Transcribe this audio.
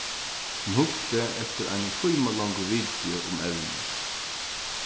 hon hugdi eftir einum tímalongum video um evnið